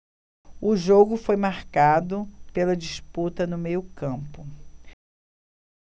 o jogo foi marcado pela disputa no meio campo